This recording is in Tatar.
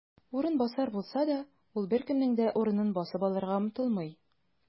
"урынбасар" булса да, ул беркемнең дә урынын басып алырга омтылмый.